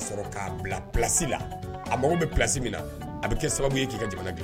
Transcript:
K'a bilasi la a mago bɛ plasi min na a bɛ kɛ sababu ye'i ka jamana kelen